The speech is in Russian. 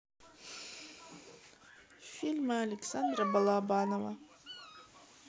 фильмы александра балабанова